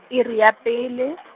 iri ya pele .